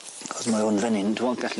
Mae o'n fyn 'yn dim on' gallu...